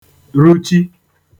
ruchi